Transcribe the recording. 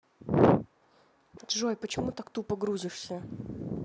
джой почему так тупо грузишься